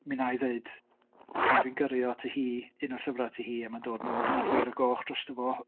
Mi wna i ddeud pan dwi'n gyrru o ati hi, un o'r llyfrau ati hi, a ma'n dod nôl efo'r feiro goch drosto fo...